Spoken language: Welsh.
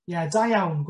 ie da iawn...